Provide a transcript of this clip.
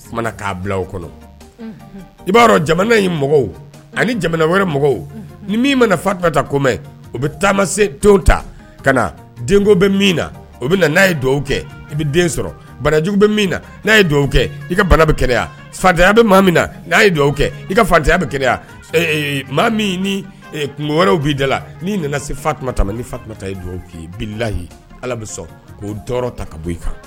I b'a dɔn jamana ye mɔgɔw ani jamana wɛrɛ mɔgɔw ni min mana fatuma ta ko mɛn u bɛ taama se nt ta ka na denko bɛ min na n'a ye dugawu kɛ i bɛ den sɔrɔ banajugu bɛ min na n'a ye dugawu kɛ i ka bana bɛ kɛya fatanya bɛ mɔgɔ min na ye dugawu kɛ i ka fatanya bɛ kɛ maa min ni kun wɛrɛw b'i da n'i nana se fatuma ta ni fata i dugawula ala bɛ sɔn k'o ta ka bɔ i kan